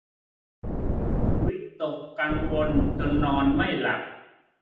วิตกกังวลจนนอนไม่หลับ